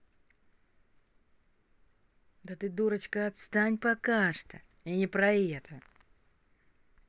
да ты дурочка отстань пока что я не про это